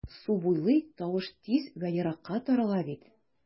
Су буйлый тавыш тиз вә еракка тарала бит...